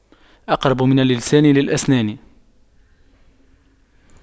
أقرب من اللسان للأسنان